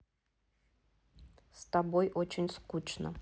с тобой очень скучно